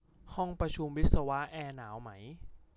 ห้องประชุมวิศวะแอร์หนาวมั้ย